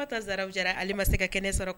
Fatumata zarawu jara ale ma se ka kɛnɛ sɔrɔ.